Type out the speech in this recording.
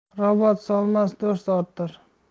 rabot solma do'st orttir